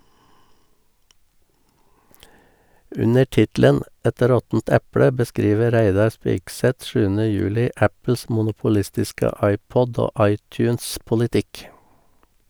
Under tittelen "Et råttent eple" beskriver Reidar Spigseth 7. juli Apples monopolistiske iPod- og iTunes-politikk.